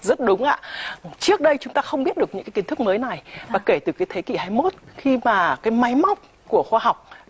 rất đúng ạ trước đây chúng ta không biết được những kiến thức mới này mà kể từ thế kỷ hai mốt khi bà cái máy móc của khoa học